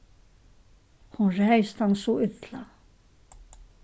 hon ræðist hann so illa